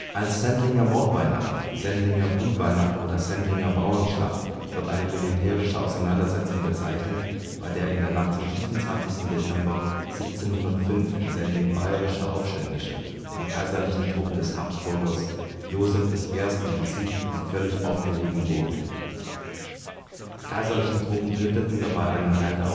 Als Sendlinger Mordweihnacht, Sendlinger Blutweihnacht oder Sendlinger Bauernschlacht wird eine militärische Auseinandersetzung bezeichnet, bei der in der Nacht zum 25. Dezember 1705 in Sendling bayerische Aufständische von kaiserlichen Truppen des Habsburgers Joseph I. besiegt und völlig aufgerieben wurden. Die kaiserlichen Truppen töteten dabei einen Teil der Aufständischen